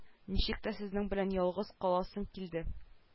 Ничек тә сезнең белән ялгыз каласым килде